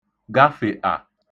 gafèṫà